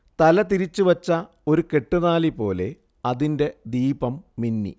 തലതിരിച്ചു വച്ച ഒരു കെട്ടുതാലിപോലെ അതിന്റെ ദീപം മിന്നി